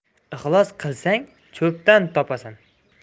ixlos qilsang cho'pdan topasan